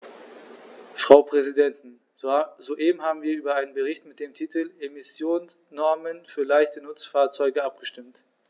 Frau Präsidentin, soeben haben wir über einen Bericht mit dem Titel "Emissionsnormen für leichte Nutzfahrzeuge" abgestimmt.